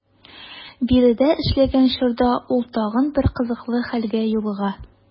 Биредә эшләгән чорда ул тагын бер кызыклы хәлгә юлыга.